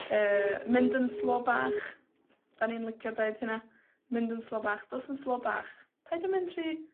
yy, mynd yn slo bach. 'Dan ni'n licio deud hynna, mynd yn slo bach, dos yn slo bach. Paid â mynd rhy,